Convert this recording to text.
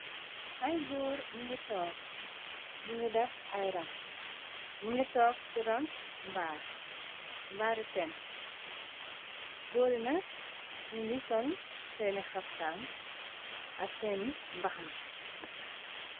Ay góor ñu ngi toog ñi ngi def ay ram ñu ngi toog ci ron mbaari tent góori nakg ñi ngi sol seeni xaftam ak seeni mbaxana.